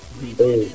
i